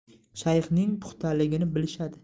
shayxning puxtaligini bilishadi